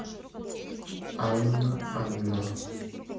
анна анна